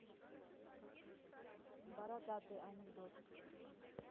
бородатый анекдот